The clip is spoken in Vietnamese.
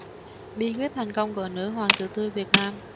bí quyết thành công của nữ hoàng sữa tươi việt nam